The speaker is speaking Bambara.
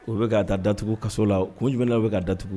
O bɛ ka taa daugu kaso la ko jumɛn bɛ ka datugu